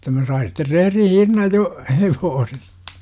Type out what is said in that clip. jotta minä sain sitten rehdin hinnan jo hevosesta